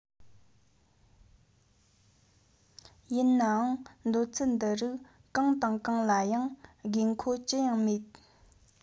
ཡིན ནའང འདོད ཚུལ འདི རིགས གང དང གང ལ ཡང དགོས མཁོ ཅི ཡང མེད